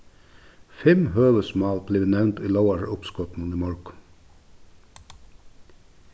fimm høvuðsmál blivu nevnd í lógaruppskotinum í morgun